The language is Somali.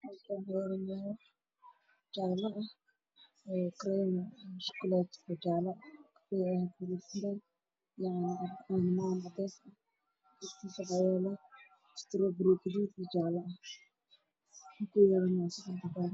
Waa miis waxaa saaran shuqlaato midabkeedu yahay caddaan oo kor wax loogu shubay madow ah